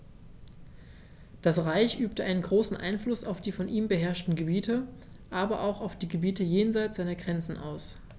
Das Reich übte einen großen Einfluss auf die von ihm beherrschten Gebiete, aber auch auf die Gebiete jenseits seiner Grenzen aus.